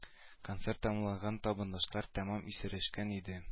Концерт тәмамланганда табындашлар тәмам исерешкән иде